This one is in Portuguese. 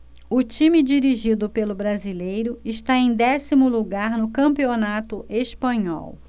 o time dirigido pelo brasileiro está em décimo lugar no campeonato espanhol